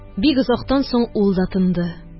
Бик озактан соң ул да тынды